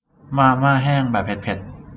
มาม่าแห้งแบบเผ็ดเผ็ด